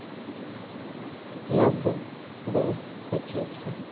я бы был хотеться